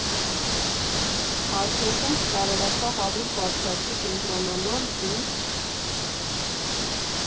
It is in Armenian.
Արդյունքում չկարողացա հավուր պատշաճի կենտրոնանալ ու՛…